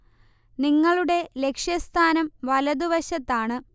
നിങ്ങളുടെ ലക്ഷ്യസ്ഥാനം വലതുവശത്താണ്